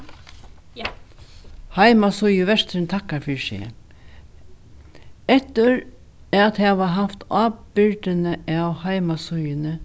heimasíðuverturin takkar fyri seg eftir at hava havt ábyrgdini av heimasíðuni